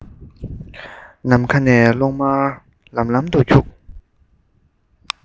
ནམ མཁའ ནས གློག དམར ལམ ལམ དུ འཁྱུག